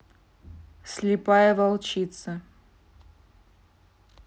слепая волчица